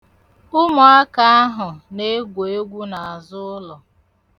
Ha nwere ụlọ ọzọ n'azụ ụlọ ochie ha.